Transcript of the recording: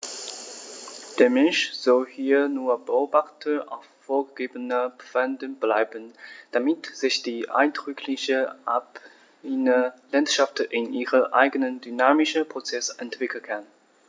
Der Mensch soll hier nur Beobachter auf vorgegebenen Pfaden bleiben, damit sich die eindrückliche alpine Landschaft in ihren eigenen dynamischen Prozessen entwickeln kann.